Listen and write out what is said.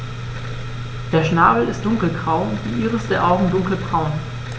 Der Schnabel ist dunkelgrau, die Iris der Augen dunkelbraun.